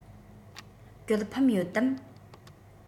གྱོད ཕམ ཡོད པ